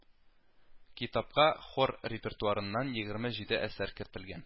Китапка хор репертуарыннан егерме җиде әсәр кертелгән